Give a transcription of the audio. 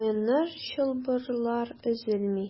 Буыннар, чылбырлар өзелми.